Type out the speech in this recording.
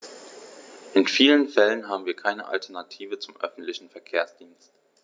In vielen Fällen haben wir keine Alternative zum öffentlichen Verkehrsdienst.